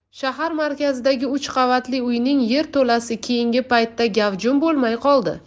shahar markazidagi uch qavatli uyning yerto'lasi keyingi paytda gavjum bo'lmay qoldi